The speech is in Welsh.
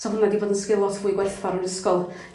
sa hwnna 'di bod yn sgil lot fwy gwerthfawr 'n 'r ysgol